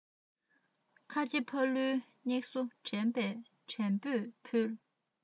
ཁ ཆེ ཕ ལུའི བསྙེལ གསོ དྲན པོས ཕུལ